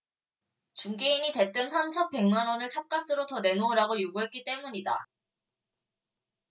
중개인이 대뜸 삼천 백 만원을 찻값으로 더 내놓으라고 요구했기 때문이다